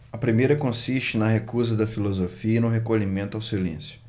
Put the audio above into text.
a primeira consiste na recusa da filosofia e no recolhimento ao silêncio